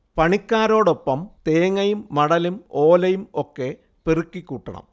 പണിക്കാരോടൊപ്പം തേങ്ങയും മടലും ഓലയും ഒക്കെ പെറുക്കി കൂട്ടണം